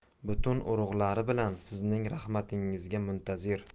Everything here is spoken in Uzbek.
butun urug'lari bilan sizning marhamatingizga muntazir